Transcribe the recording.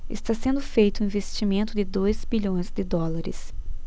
está sendo feito um investimento de dois bilhões de dólares